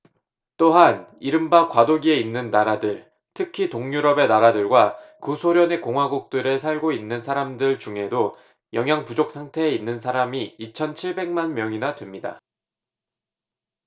또한 이른바 과도기에 있는 나라들 특히 동유럽의 나라들과 구소련의 공화국들에 살고 있는 사람들 중에도 영양 부족 상태에 있는 사람이 이천 칠백 만 명이나 됩니다